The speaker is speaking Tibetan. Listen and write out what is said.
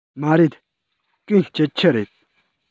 མ རེད གན སྐྱིད ཆུ རེད